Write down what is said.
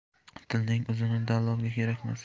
tilning uzuni dallolga kerak